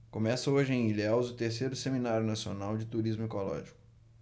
começa hoje em ilhéus o terceiro seminário nacional de turismo ecológico